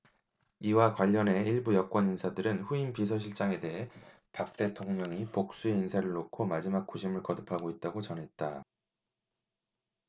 이와 관련해 일부 여권인사들은 후임 비서실장에 대해 박 대통령이 복수의 인사를 놓고 마지막 고심을 거듭하고 있다고 전했다